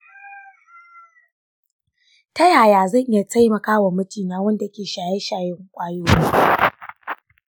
ta yaya zan iya taimaka wa mijina wanda ke shaye-shayen ƙwayoyi?